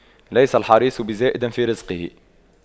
ليس الحريص بزائد في رزقه